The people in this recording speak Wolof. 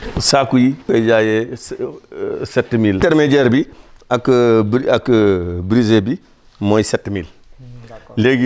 saako yi ñu ngi koy jaayee sept mille intermédiare bi ak brisé bi mooy sept mille